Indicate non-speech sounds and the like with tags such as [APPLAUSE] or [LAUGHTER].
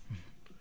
[HESITATION] [HESITATION]